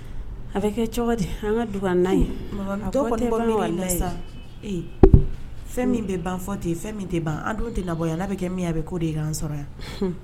A bɛ kɛ ka fɛn min bɛ ban fɔ ten fɛn an dun tɛ labɔ yan bɛ kɛ min ko dean sɔrɔ yan